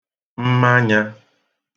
mmanya